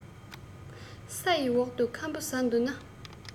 ས ཡི འོག ཏུ ཁམ བུ ཟ འདོད ན